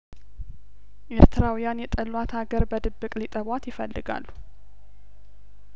ኤርትራውያን የጠሏት አገር በድብቅ ሊጠቧት ይፈልጋሉ